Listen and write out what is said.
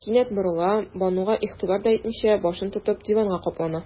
Кинәт борыла, Бануга игътибар да итмичә, башын тотып, диванга каплана.